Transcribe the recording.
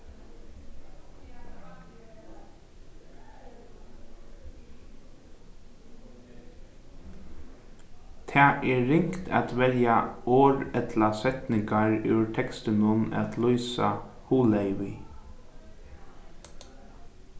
tað er ringt at velja orð ella setningar úr tekstinum at lýsa huglagið við